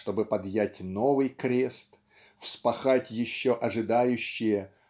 чтобы поднять новый крест вспахать еще ожидающие